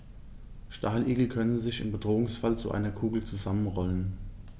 Stacheligel können sich im Bedrohungsfall zu einer Kugel zusammenrollen.